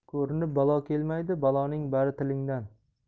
ko'rinib balo kelmaydi baloning bari tilingdan